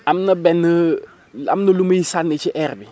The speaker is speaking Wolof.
am na benn am na lu muy sànni ci air bi